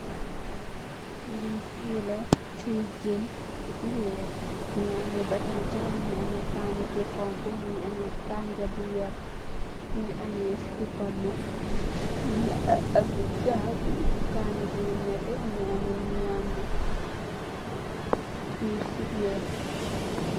Li suu la suuwi jén bu wèèx, mugii ameh batanta, mugii ameh kanneh bu xonxu, mugii ameh kanja bu werta, mugii ameh supamè, mugii ameh jaxatu, kanneh bu netteh, mugii ameh ñyambi, ci sujeer .